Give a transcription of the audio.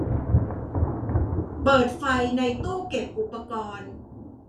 เปิดไฟในตู้เก็บอุปกรณ์